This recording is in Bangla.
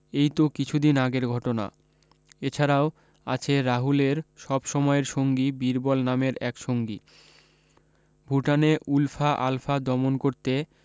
এই তো কিছু দিন আগের ঘটনা এছাড়াও আছে রাহুলের সব সময়ের সঙ্গী বীরবল নামের এক সঙ্গী ভুটানে উলফা আলফা দমন করতে